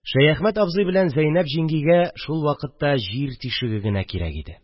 Шәяхмәт абзый белән Зәйнәп җиңгигә шул вакытта җир тишеге генә кирәк иде